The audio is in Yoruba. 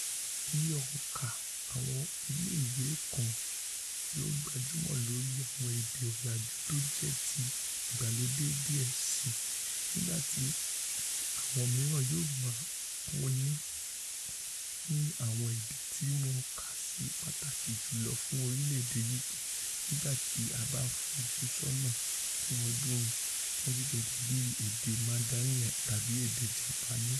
Iye òǹkà àwọn ilé ìwé kan yóò gbájúmọ́ lórí àwọn èdè ọ̀làjú tójẹ́ ti ìgbàlódé díẹ̀ síi, nígbà tí àwọn mìíràn yóò máa kọ́ni ní àwọn êdè tí wọ́n kàsí pàtàkì jùlọ fún orílẹ̀-èdè UK nígbà tí a bá ńfojú ṣọ́nà fún ọdún 2020, bíi èdè Mandarin tabi èdè Japaanu.